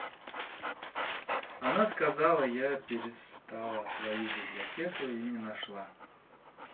она сказала я перестала свою библиотеку и не нашла